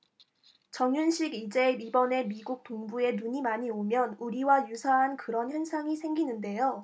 정윤식 이제 이번에 미국 동부에 눈이 많이 오면 우리와 유사한 그런 현상이 생기는데요